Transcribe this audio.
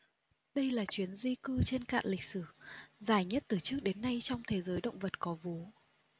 đây là chuyến di cư trên cạn lịch sử dài nhất từ trước đến nay trong thế giới động vật có vú